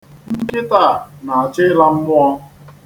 Nkịta a na-achọ ịla mmụọ.